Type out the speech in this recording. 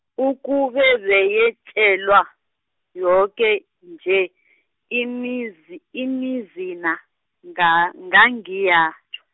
ukube beyetjelwa, yoke nje , imizi, imizana nga- ngangiyatjho.